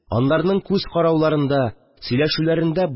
Аларның күз карауларында, сөйләшүләрендә